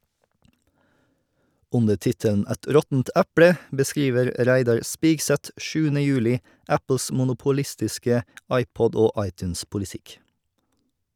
Under tittelen «Et råttent eple» beskriver Reidar Spigseth 7. juli Apples monopolistiske iPod- og iTunes-politikk.